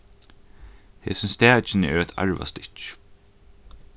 hesin stakin er eitt arvastykki